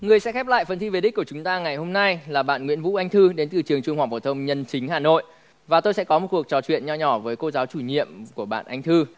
người sẽ khép lại phần thi về đích của chúng ta ngày hôm nay là bạn nguyễn vũ anh thư đến từ trường trung học phổ thông nhân chính hà nội và tôi sẽ có một cuộc trò chuyện nho nhỏ với cô giáo chủ nhiệm của bạn anh thư